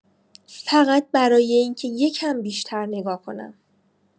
فقط برای اینکه یکم بیشتر نگاه کنم.